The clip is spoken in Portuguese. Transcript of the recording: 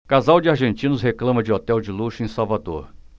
casal de argentinos reclama de hotel de luxo em salvador